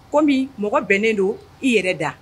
Kɔmi bi mɔgɔ bɛnnen don i yɛrɛ da